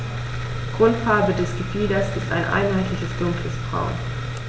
Grundfarbe des Gefieders ist ein einheitliches dunkles Braun.